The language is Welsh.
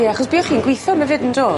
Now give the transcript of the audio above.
Ie, achos buo chi'n gwitho yma fyd yndo?